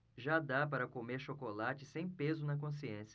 já dá para comer chocolate sem peso na consciência